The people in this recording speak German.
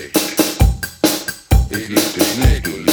Zum Refrain